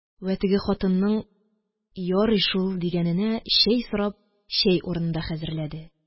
Вә теге хатынның: «Ярый шул», – дигәненә чәй сорап, чәй урыны да хәзерләде.